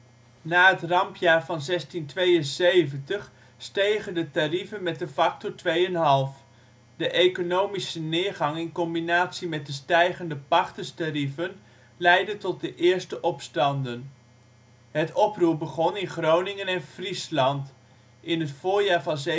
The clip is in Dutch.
Na het Rampjaar van 1672 stegen de tarieven met een factor van 2,5. De economische neergang in combinatie met de stijgende pachterstarieven leidde tot de eerste opstanden. Het oproer begon in Groningen en Friesland (Bergum) in het voorjaar van